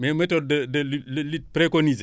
mais méthode de de lu lu lutte préconisée